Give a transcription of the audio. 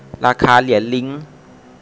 ราคาเหรียญลิ้ง